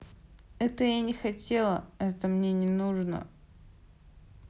это я не хотела это мне не нужно